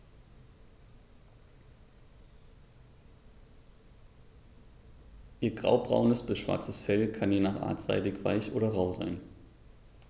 Ihr graubraunes bis schwarzes Fell kann je nach Art seidig-weich oder rau sein.